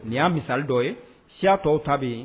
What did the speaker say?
Nin y'a misali dɔ ye siya tɔw ta bɛ yen.